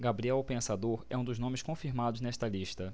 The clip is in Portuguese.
gabriel o pensador é um dos nomes confirmados nesta lista